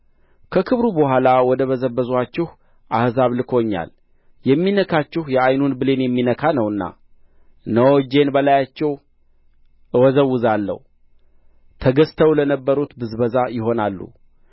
ከክብሩ በኋላ ወደ በዘበዙአችሁ አሕዛብ ልኮኛል የሚነካችሁ የዓይኑን ብሌን የሚነካ ነውና እነሆ እጄን በላያቸው አወዛውዛለሁ ተገዝተው ለነበሩት ብዝበዛ ይሆናሉ